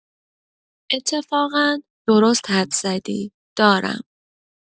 اتفاقا درست حدس زدی دارم.